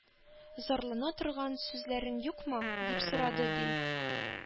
Зарлана торган сүзләрең юкмы? — дип сорады, ди.